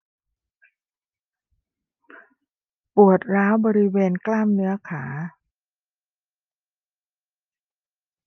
ปวดร้าวบริเวณกล้ามเนื้อขา